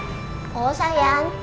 ủa sao vậy anh